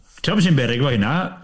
Ti'n gwbod be sy'n beryg efo hynna?